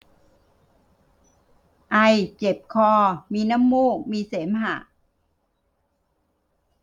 ไอเจ็บคอมีน้ำมูกมีเสมหะ